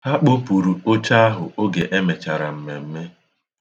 Ha kpopụrụ oche ahụ oge e mechara mmemme.